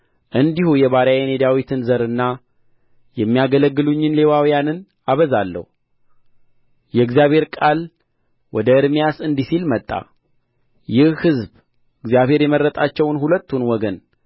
እንዲሁ የባሪያዬን የዳዊትን ዘርና የሚያገለግሉኝን ሌዋውያንን አበዛለሁ የእግዚአብሔር ቃል ወደ ኤርምያስ እንዲህ ሲል መጣ ይህ ሕዝብ እግዚአብሔር የመረጣቸውን ሁለቱን ወገን